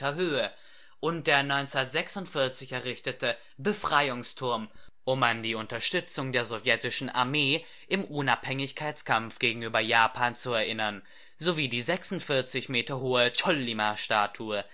Höhe und der 1946 errichtete Befreiungsturm, um an die Unterstützung der Sowjetischen Armee im Unabhängigkeitskampf gegenüber Japan zu erinnern sowie die 46 Meter hohe Ch’ ŏllima-Statue